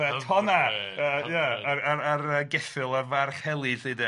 Fatha tonna yy ie a'r a'r a'r yy geffyl a'r farch heli lly de.